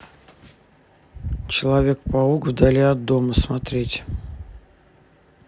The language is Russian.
человек паук вдали от дома смотреть